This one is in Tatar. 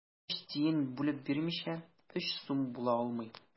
Өч тиен бүлеп бирмичә, өч сум була алмый.